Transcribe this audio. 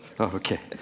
ja ok.